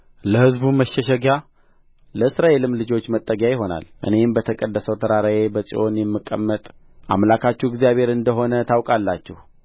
ለሕዝቡ መሸሸጊያ ለእስራኤልም ልጆች መጠጊያ ይሆናል እኔም በተቀደሰው ተራራዬ በጽዮን የምቀመጥ አምላካችሁ እግዚአብሔር እንደ ሆንሁ ታውቃላችሁ